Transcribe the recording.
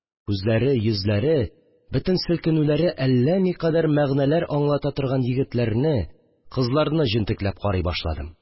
Күзләре, йөзләре, бөтен селкенүләре әллә никадәр мәгънәләр аңлата торган егетләрне, кызларны җентекләп карый башладым